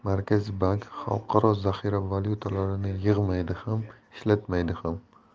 xalqaro zaxira valyutalarini yig'maydi ham ishlatmaydi ham